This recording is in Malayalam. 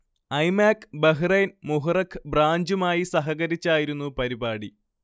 ഐമാക്ക് ബഹ്റൈൻ മുഹറഖ് ബ്രാഞ്ചുമായി സഹകരിച്ചായിരുന്നു പരിപാടി